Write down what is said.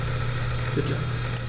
Bitte.